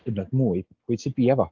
Hyd yn oed mwy pwy sydd bia fo?